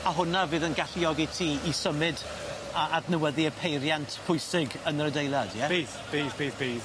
A hwnna fydd yn galluogi ti i symud a adnewyddu y peiriant pwysig yn yr adeilad ie? Bydd bydd bydd bydd.